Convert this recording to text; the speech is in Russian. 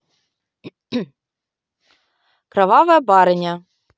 кровавая барыня